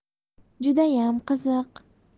judayam qiziq